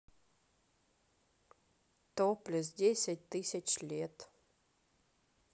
топлесс десять тысяч лет